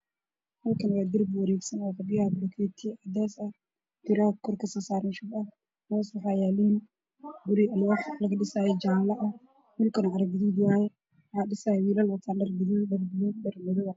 Waa darbi wareegsan oo qabyo ah